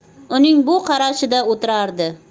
uning bu qarashida o'tirardi